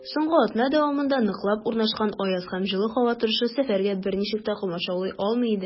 Соңгы атна дәвамында ныклап урнашкан аяз һәм җылы һава торышы сәфәргә берничек тә комачаулый алмый иде.